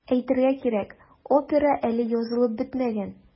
Әйтергә кирәк, опера әле язылып бетмәгән.